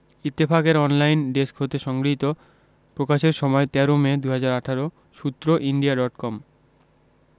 ইত্তেফাক এর online desk হতে সংগৃহীত প্রকাশের সময় ১৩ মে ২০১৮ সূত্র ইন্ডিয়া ডট কম